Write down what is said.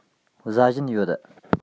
ཟ བཞིན ཡོད